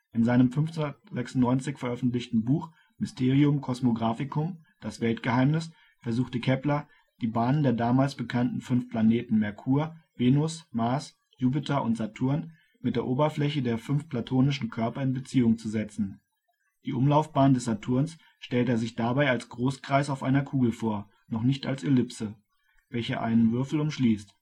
In seinem 1596 veröffentlichten Buch Mysterium Cosmographicum (Das Weltgeheimnis) versuchte Kepler, die Bahnen der damals bekannten fünf Planeten (Merkur, Venus, Mars, Jupiter, Saturn) mit der Oberfläche der fünf platonischen Körper in Beziehung zu setzen. Die Umlaufbahn des Saturns stellte er sich dabei als Großkreis auf einer Kugel vor (noch nicht als Ellipse), welche einen Würfel umschließt